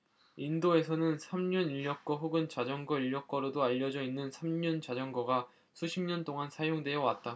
인도에서는 삼륜 인력거 혹은 자전거 인력거로도 알려져 있는 삼륜 자전거가 수십 년 동안 사용되어 왔다